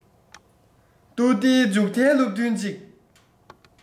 ཏུའུ ཏེའི མཇུག མཐའི སློབ ཐུན གཅིག